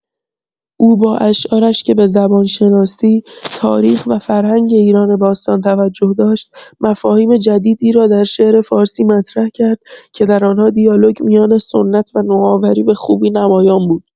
او با اشعارش که به زبان‌شناسی، تاریخ و فرهنگ ایران باستان توجه داشت، مفاهیم جدیدی را در شعر فارسی مطرح کرد که در آنها دیالوگ میان سنت و نوآوری به‌خوبی نمایان بود.